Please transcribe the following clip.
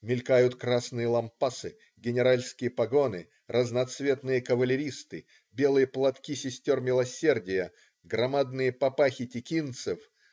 мелькают красные лампасы, генеральские погоны, разноцветные кавалеристы, белые платки сестер милосердия, громадные папахи текинцев.